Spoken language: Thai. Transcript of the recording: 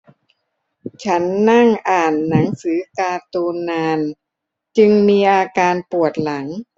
ฉันนั่งอ่านหนังสือการ์ตูนนานจึงมีอาการปวดหลัง